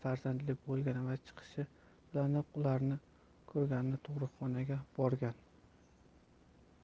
va chiqishi bilanoq ularni ko'rgani tug'ruqxonaga borgan